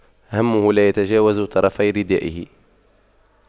همه لا يتجاوز طرفي ردائه